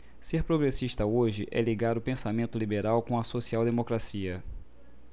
ser progressista hoje é ligar o pensamento liberal com a social democracia